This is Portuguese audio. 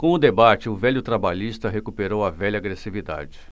com o debate o velho trabalhista recuperou a velha agressividade